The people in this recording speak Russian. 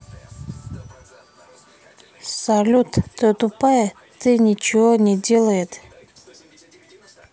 салют ты тупая ты ничего не делает